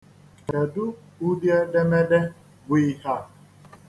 Kedu udi edemede bụ ihe a?